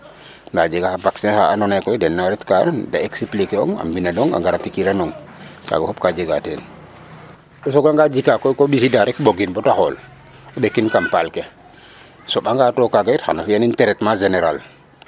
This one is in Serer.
Ndaa a jega xa vaccin xa andoona yee koy den a ndetka da expliquer ong a mbindanong a ngara pikiranong kaaga fop o ka jega teen o sooganga jika koy ko ɓisa rek ɓogin ba ta xool o ɓekin kam paal ke soɓanga to kaaga tam xan o fi'anin traitement général.